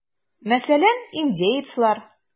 Мәсәлән, индеецлар.